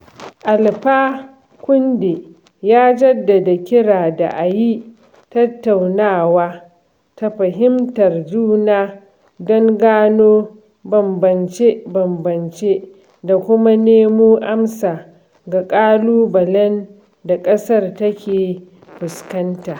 Alpha conde ya jaddada kira da a yi tattaunawa ta fahimtar juna don gano bambamce-bambamce da kuma nemo amsa ga ƙalubalen da ƙasar take fuskanta.